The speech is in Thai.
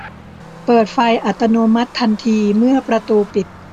เปิดไฟอัตโนมัติทันทีเมื่อประตูปิด